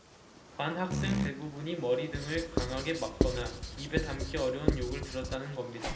반 학생 대부분이 머리 등을 강하게 맞거나 입에 담기 어려운 욕을 들었다는 겁니다